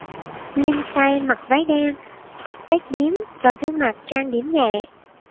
lindsay mặc váy đen tóc tết bím và gương mặt trang điểm nhẹ